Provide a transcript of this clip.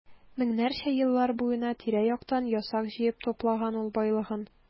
Меңнәрчә еллар буена тирә-яктан ясак җыеп туплаган ул байлыгын.